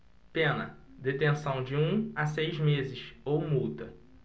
pena detenção de um a seis meses ou multa